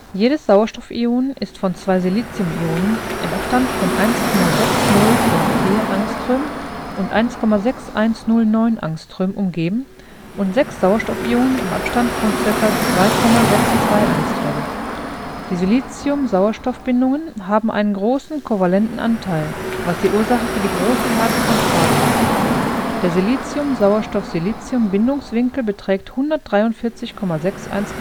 Jedes Sauerstoffion ist von zwei Siliciumionen im Abstand von 1,6054 Å und 1,6109 Å umgeben und sechs Sauerstoffionen im Abstand von ca. 2.62 Å. Die Si-O-Bindungen haben einen großen kovalenten Anteil, was die Ursache für die große Härte von Quarz ist. Der Si-O-Si-Bindungswinkel beträgt 143.61